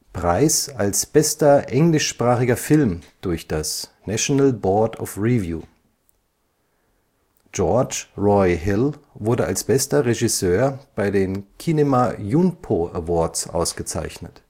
Preis als bester englischsprachiger Film durch National Board of Review George Roy Hill wurde als bester Regisseur bei den Kinema Junpo Awards ausgezeichnet